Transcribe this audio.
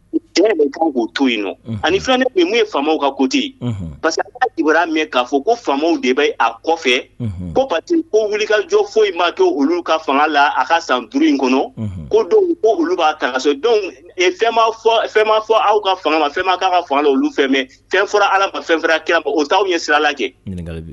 Ko ten pa k'a fɔ ko faw de bɛ a kɔfɛ ko pa ko wulikajɔ foyi ma to olu ka fanga la a ka san duuruuru in kɔnɔ ko don ko olu b'a fɛn fɔ aw ka fanga fɛnma ka fanga olu fɛnfa ala ma fɛn kɛ o' ɲɛ sira lajɛ